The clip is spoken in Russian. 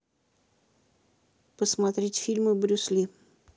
посмотреть фильмы брюс ли